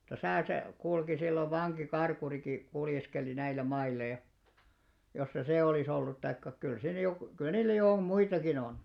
mutta tässä se kulki silloin vankikarkurikin kuljeskeli näillä mailla ja jos se se olisi ollut tai kyllä siinä joku kyllä niillä jo on muitakin on